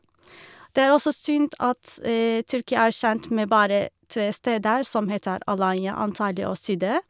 Det er også synd at Tyrkia er kjent med bare tre steder, som heter Alanya, Antalya og Side.